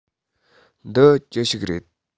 འདི ཅི ཞིག རེད